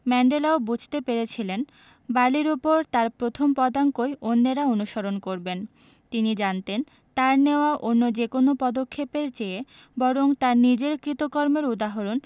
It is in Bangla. ম্যান্ডেলাও বুঝতে পেরেছিলেন বালির ওপর তাঁর প্রথম পদাঙ্কই অন্যেরা অনুসরণ করবেন তিনি জানতেন তাঁর নেওয়া অন্য যেকোনো পদক্ষেপের চেয়ে বরং তাঁর নিজের কৃতকর্মের উদাহরণ